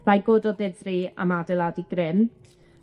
Rhaid bod o ddifri am adeiladu grym.